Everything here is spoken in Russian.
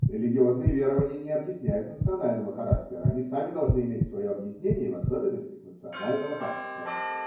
Религиозные верования не объясняют национального характера, они сами должны иметь свое объяснение в особенностях национального характера.